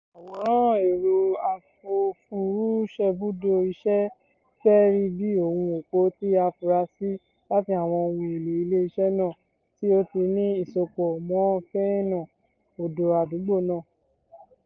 Àwòrán ẹ̀rọ afòfurufúṣèbùdò-iṣẹ́ fẹ́ rí bíi ohun òpó tí a furasí láti àwọn ohun-èlò ilé-iṣẹ́ náà tí ó ti ní ìsopọ̀ mọ́ Feeane, odò àdúgbò náà.